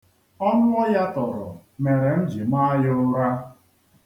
Ọnụ ọ yatọrọ mere m ji maa ya ụra.